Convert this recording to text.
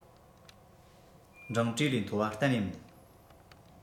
འབྲིང གྲས ལས མཐོ བ གཏན ནས མིན